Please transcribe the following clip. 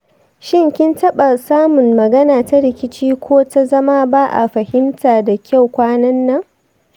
shin kin taɓa samun magana ta rikici ko ta zama ba a fahimta da kyau kwanan nan?